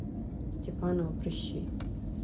степанова прыщи